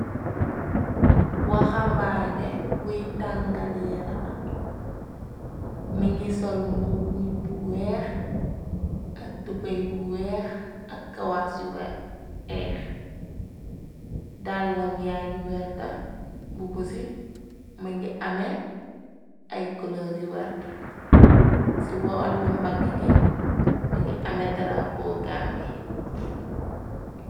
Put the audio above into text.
Waxambaane wëy tàngal yeeramam, mi ngi sol mbubu bu weex, ak tubey bu weex, ak kawas ci weex, dàllam yaa ngi werta, mbubu si më ngi ame ay kulor yu werta ci waal mbagg gi mingi ame drapo Gambi.